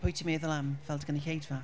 pwy ti'n meddwl am fel dy gynulleidfa?